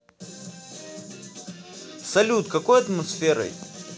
салют какой атмосферой